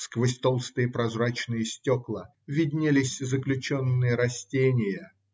Сквозь толстые прозрачные стекла виднелись заключенные растения.